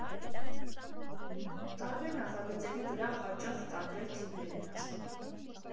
Տարբեր նախագծերի վրա հաճախ տարբեր թիմեր են աշխատում։